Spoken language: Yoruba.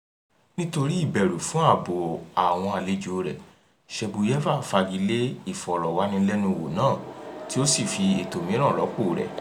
Nítorí ìbẹ̀rù fún ààbò àwọn àlejòo rẹ̀, Shabuyeva fagilé ìfọ̀rọ̀wánilẹ́nuwò náà tí ó sì fi ètò mìíràn rọ́pòo rẹ̀.